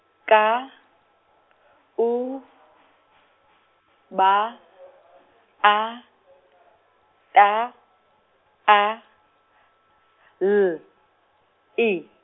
K, U , ba , A, ta, A, L, I.